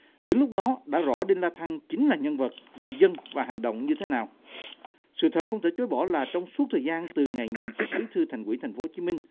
đến lúc đó đã rõ đinh la thăng chính là nhân vật vì dân và hành động như thế nào sự thật không thể chối bỏ là trong suốt thời gian từ ngày nhậm chức bí thư thành ủy thành phố chí minh